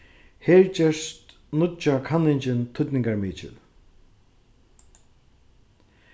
her gerst nýggja kanningin týdningarmikil